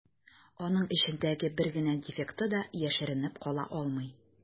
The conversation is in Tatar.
Аның эчендәге бер генә дефекты да яшеренеп кала алмый.